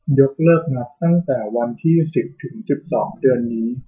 ยกเลิกนัดตั้งแต่วันที่สิบถึงสิบสองเดือนนี้